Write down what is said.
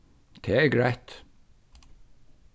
tað er greitt